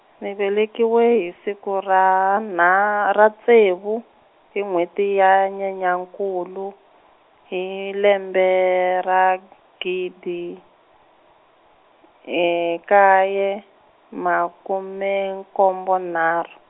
ni velekiwe hi siku ra na, ra ntsevu, hi n'wheti ya Nyenyankulu, hi lembe ra gidi, kaye, makume nkombo nharhu.